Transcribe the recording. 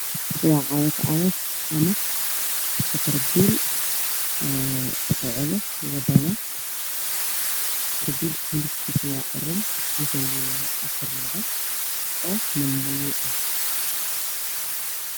Waa cagaf cagaf ama katarbiin oo socdo wadada kalarkiisu waa oranji waxuu leeyahay afar lugood oo madow ah.